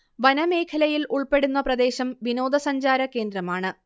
വനമേഖലയിൽ ഉൾപ്പെടുന്ന പ്രദേശം വിനോദസഞ്ചാര കേന്ദ്രമാണ്